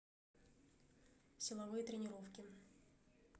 силовые тренировки